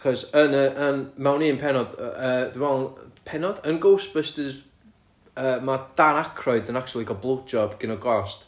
achos yn y... yn... mewn un pennod yy yy dwi meddwl... pennod? Yn Ghostbusters yy ma' Dan Aykroyd yn actually cael blowjob gan y ghost.